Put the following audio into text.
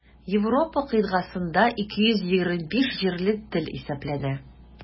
Европа кыйтгасында 225 җирле тел исәпләнә.